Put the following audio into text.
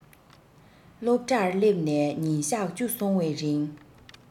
སློབ གྲྭར སླེབས ནས ཉིན གཞག བཅུ སོང བའི རིང